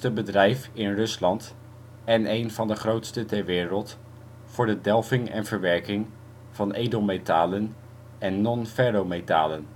bedrijf in Rusland en een van de grootste ter wereld voor de delving en verwerking van edelmetalen en non-ferrometalen